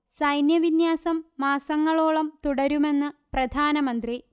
സൈന്യവിന്യാസം മാസങ്ങളോളം തുടരുമെന്ന് പ്രധാനമന്ത്രി